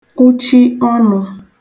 kwuchi ọnụ̄